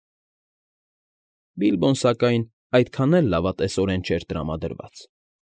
Բիլբոն, սակայն, այդքան էլ լավատեսորեն չէր տրամադրված։